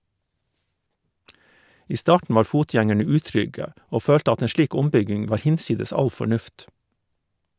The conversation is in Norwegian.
I starten var fotgjengerne utrygge og følte at en slik ombygging var hinsides all fornuft.